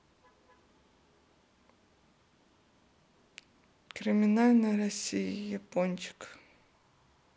криминальная россия япончик